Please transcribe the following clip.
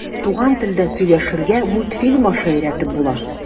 Туган телдә сөйләшергә мультфильм аша өйрәтеп була.